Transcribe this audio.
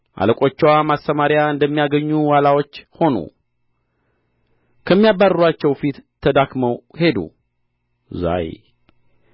አለቆችዋ ማሰማርያ እንደማያገኙ ዋላዎች ሆኑ ከሚያባርሩአቸው ፊት ተዳክመው ሄዱ ዛይ